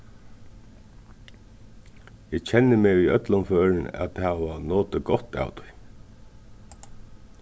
eg kenni meg í øllum førum at hava notið gott av tí